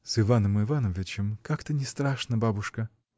— С Иваном Ивановичем как-то не страшно, бабушка.